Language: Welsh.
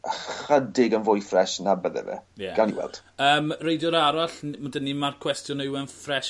ychydig yn fwy ffres na bydde fe. Ie. Gawn ni weld. Yym reidiwr arall n- ma' 'da ni marc cwestiwn o yw e'n ffres